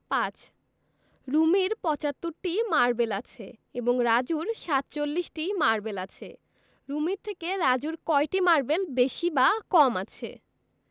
৫ রুমির ৭৫টি মারবেল আছে এবং রাজুর ৪৭টি মারবেল আছে রুমির থেকে রাজুর কয়টি মারবেল বেশি বা কম আছে